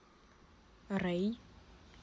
рей